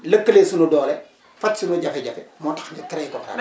lëkkale suñu doole faj suñuy jafe-jafe moo tax ñu créé coopérative